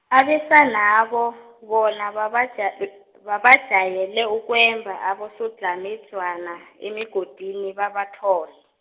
abesanabo, bona babaj- babajayele ukwemba, abosodlhamedzwana, emigodini babathole.